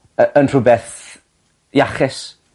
y- yn rhwbeth iachus